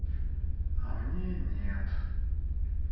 а мне нет